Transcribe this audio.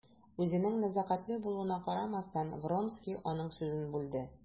Үзенең нәзакәтле булуына карамастан, Вронский аның сүзен бүлде.